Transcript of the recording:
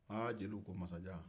aa jeliw ko masajan